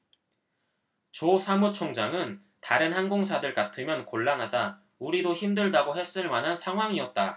조 사무총장은 다른 항공사들 같으면 곤란하다 우리도 힘들다고 했을 만한 상황이었다